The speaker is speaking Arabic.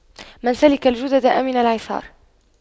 من سلك الجدد أمن العثار